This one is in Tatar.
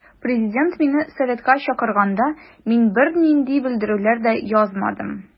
Президент мине советка чакырганда мин бернинди белдерүләр дә язмадым.